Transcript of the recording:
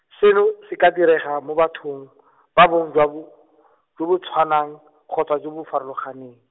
seno, se ka direga mo bathong, ba bong jwa bo, jo bo tshwanang, kgotsa jo bo farologaneng.